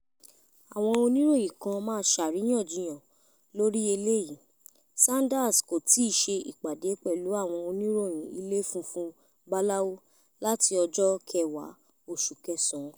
Àwọn oníròyìn kan máa ṣàríyàjiyàn lórí èléyìí: Sanders kò tíì ṣe ìpàdé pẹ̀lú àwọn oníròyìn Ilé Funfun Báláú láti ọjọ 10 oṣù kẹsàn án.